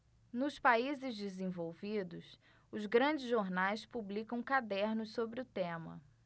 nos países desenvolvidos os grandes jornais publicam cadernos sobre o tema